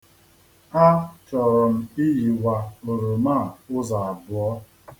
Achọrọ m iyiwa oroma a ụzọ abụọ.